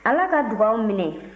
ala ka dugaw minɛ